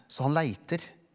så han leiter.